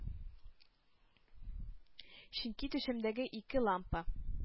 Чөнки түшәмдәге ике лампа